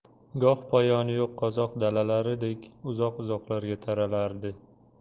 goh poyoni yo'q qozoq dalalaridek uzoq uzoqlarga taralardi